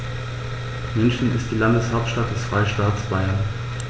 München ist die Landeshauptstadt des Freistaates Bayern.